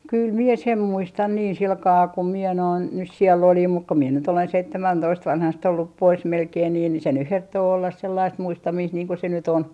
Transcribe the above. kyllä minä sen muistan niin sillä kalella kun minä noin nyt siellä olin mutta kun minä nyt olen seitsemäntoista vanhasta ollut pois melkein niin niin se nyt herttoo olla sellaista muistamista niin kuin se nyt on